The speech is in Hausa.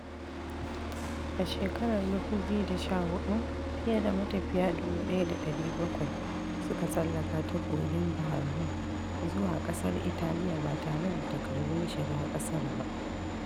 A shekarar 2014, fiye da matafiya 170,000 suka tsallaka ta Kogin Bahar Rum zuwa ƙasar Italiya ba tare da takardun shiga ƙasar ba.